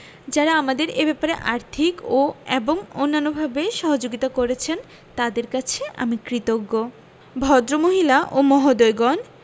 যারা আমাদের এ ব্যাপারে আর্থিক ও এবং অন্যান্যভাবে সহযোগিতা করেছেন তাঁদের কাছে আমি কৃতজ্ঞ ভদ্রমহিলা ও মহোদয়গণ